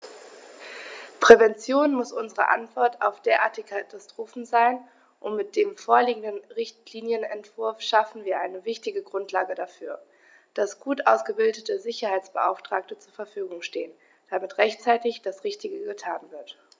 Prävention muss unsere Antwort auf derartige Katastrophen sein, und mit dem vorliegenden Richtlinienentwurf schaffen wir eine wichtige Grundlage dafür, dass gut ausgebildete Sicherheitsbeauftragte zur Verfügung stehen, damit rechtzeitig das Richtige getan wird.